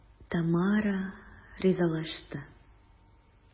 Тамара ризалашты.